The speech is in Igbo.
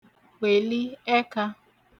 wèli ẹkā